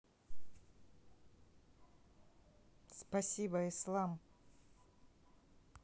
спасибо ислам